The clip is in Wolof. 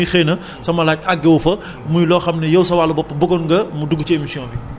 est ce que amul loo xamante ne tey jii waroon nañu ko cee yokk wala waroon nañ koo wax fekk man mii xëy na